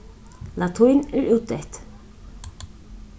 latín er útdeytt